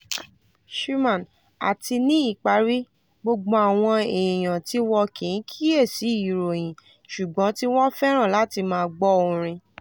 Xuman: Àti ní ìparí, gbogbo àwọn èèyàn tí wọ́n kìí kíyèsí ìròyìn ṣùgbọ́n tí wọ́n fẹ́ràn láti máa gbọ́ orin.